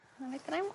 Wel fedrai'm